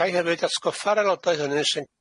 Gai hefyd atgoffa'r aelodau hynny sy'n